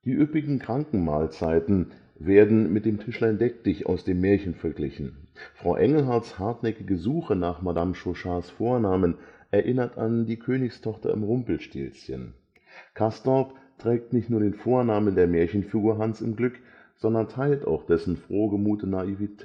üppigen Krankenmahlzeiten werden mit dem Tischlein-Deck-Dich aus dem Märchen verglichen, Frau Engelharts hartnäckige Suche nach Madame Chauchats Vornamen erinnert an die Königstochter im Rumpelstilzchen. Castorp trägt nicht nur den Vornamen der Märchenfigur Hans im Glück, sondern teilt auch dessen frohgemute Naivität